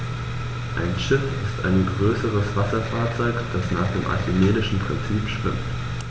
Ein Schiff ist ein größeres Wasserfahrzeug, das nach dem archimedischen Prinzip schwimmt.